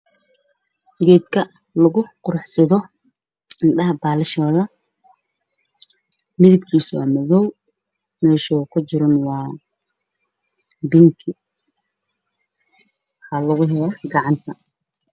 Meshan waxaa yaalla boombalo dad loo ekeysiiyay